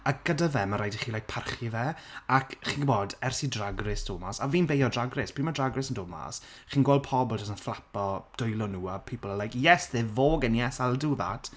A gyda fe, mae'n rhaid i chi parchu fe ac chi'n gwybod, ers i Drag Race dod mas a fi'n beio Drag Race pryd mae Drag Race yn dod mas, chi'n gweld pobol jyst yn fflapo dwylo nhw a people are like, yes they're voguing, yes I'll do that.